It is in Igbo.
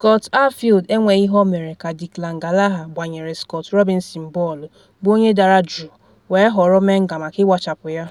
Scott Arfield enweghị ihe ọ mere ka Declan Gallagher gbanyere Scott Robinson bọọlụ, bụ onye dara juu were họrọ Menga maka ịgbachapụ ya.